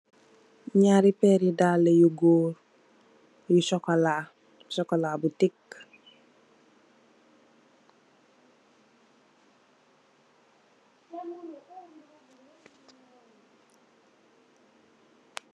Ñaari pééri dalli yu gór yu sokola, sokola bu tik.